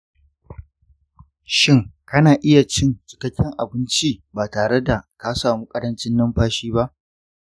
shin kana iya cin cikakken abinci ba tare da ka samu ƙarancin numfashi ba?